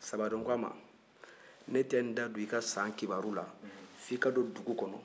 sabadɔn ko a ma ne te n da don i ka san kibaru la fo i ka don dugu kɔnɔ